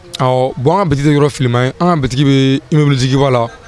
Ɔ bon an bɛtigi yɔrɔ filima anan bɛtigi bɛbilitigiba la